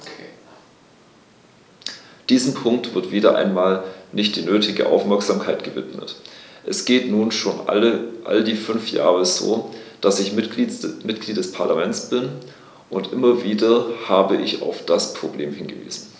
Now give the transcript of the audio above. Diesem Punkt wird - wieder einmal - nicht die nötige Aufmerksamkeit gewidmet: Das geht nun schon all die fünf Jahre so, die ich Mitglied des Parlaments bin, und immer wieder habe ich auf das Problem hingewiesen.